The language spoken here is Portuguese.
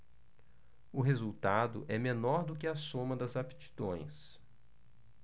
o resultado é menor do que a soma das aptidões